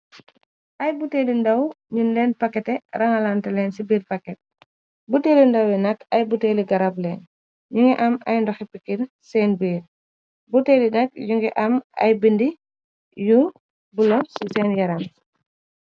ay buteeli ndaw ñuñ leen pakete rangalante leen ci biir paket buteeli ndaw yi nak ay buteeli garab leen ñu ngi am ay ndoxe pikkir seen biir buteeli nak yu ngi am ay bindi yu bulom ci seen yaram ci